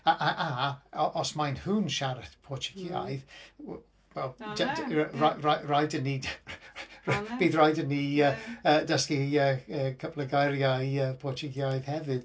A a a os maen nhw'n siarad Portiwgeaidd wel, rha- rha- rhaid i ni... rh- rh- rh- bydd rhaid i ni yy dysgu yy couple o geiriau yy Portiwgeaidd hefyd.